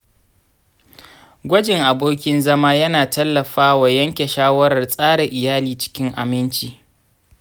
gwajin abokin zama yana tallafawa yanke shawarar tsara iyali cikin aminci.